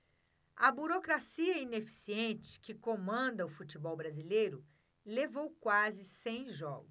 a burocracia ineficiente que comanda o futebol brasileiro levou quase cem jogos